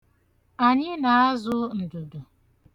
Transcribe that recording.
Anyị na-azụ ndudu.